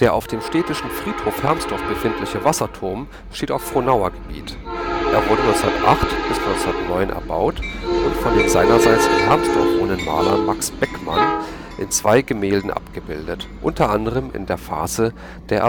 auf dem städtischen Friedhof Hermsdorf befindliche Wasserturm steht auf Frohnauer Gebiet. Er wurde 1908 / 1909 erbaut und von dem seinerzeit in Hermsdorf wohnenden Maler Max Beckmann in zwei Gemälden abgebildet, unter anderem in der Phase der Erbauung